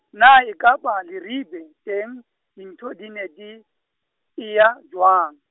na ekaba Leribe teng, dintho di ne di, eya jwang.